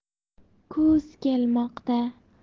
kuz kelmoqda